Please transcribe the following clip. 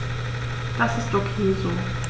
Das ist ok so.